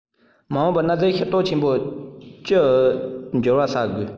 མ འོངས པར གནའ རྫས ཤེས རྟོགས ཆེན པོ བཅུའི ཏུ འགྱུར བ བྱ དགོས